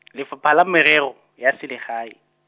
Lefapha la Merero, ya Selegae.